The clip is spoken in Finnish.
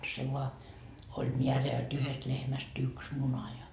se vain oli määrä jotta yhdestä lehmästä yksi muna ja